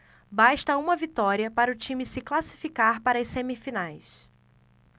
basta uma vitória para o time se classificar para as semifinais